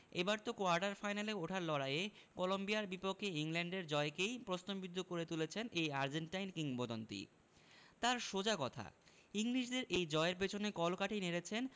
এবার তো কোয়ার্টার ফাইনালে ওঠার লড়াইয়ে কলম্বিয়ার বিপক্ষে ইংল্যান্ডের জয়কেই প্রশ্নবিদ্ধ করে তুলেছেন এই আর্জেন্টাইন কিংবদন্তি তাঁর সোজা কথা ইংলিশদের এই জয়ের পেছনে কলকাঠি নেড়েছেন